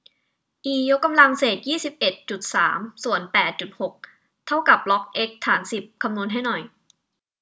อียกกำลังเศษยี่สิบเอ็ดจุดสามส่วนแปดจุดหกเท่ากับล็อกเอ็กซ์ฐานสิบคำนวณให้หน่อย